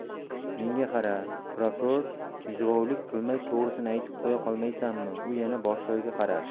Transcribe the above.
menga qara prokuror mijg'ovlik qilmay to'g'risini aytib qo'ya qolmaysanmi u yana boshlig'iga qaradi